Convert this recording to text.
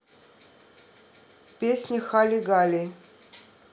песня хали гали